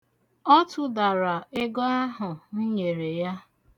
Ọ tụdara ego ahụ m nyere ya.